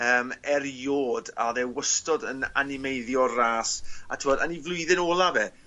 yym eriod a odd e wystod yn animeiddio'r ras a t'mod yn 'i flwyddyn ola fe